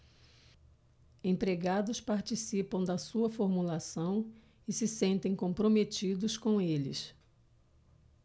empregados participam da sua formulação e se sentem comprometidos com eles